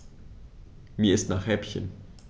Mir ist nach Häppchen.